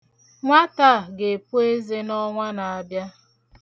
Nwata a ga-epu eze n'ọnwa na-abịa.